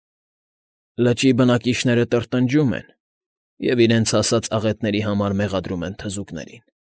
Լճի բնակիչները տրտնջում են և իրենց հասած աղետների համար մեղադրում են թզուկներին։